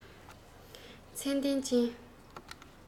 ཚད ལྡན ཅན